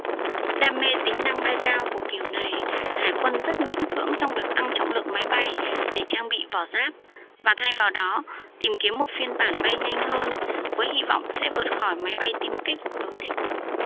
đam mê tính năng bay cao của kiểu này hải quân rất miễn cưỡng trong việc tăng trọng lượng máy bay để trang bị vỏ giáp và thay vào đó tìm kiếm một phiên bản bay nhanh hơn với hy vọng sẽ vượt khỏi máy bay tiêm kích đối địch